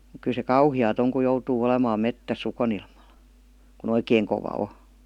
mutta kyllä se kauheaa on kun joutuu olemaan metsässä ukonilmalla kun oikein kova on